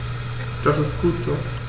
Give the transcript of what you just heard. Das ist gut so.